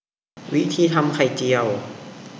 วิธีีทำไข่เจียว